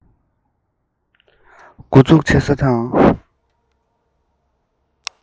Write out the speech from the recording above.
མགོ འཛུགས བྱེད ས དང